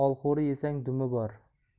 olxo'ri yesang dumi bor